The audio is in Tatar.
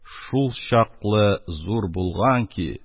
Шулчаклы зур булган ки,